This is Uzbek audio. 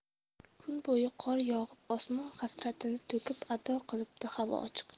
kun bo'yi qor yog'ib osmon hasratini to'kib ado qilibdi havo ochiq